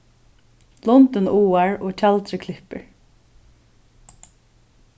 lundin áar og tjaldrið klippir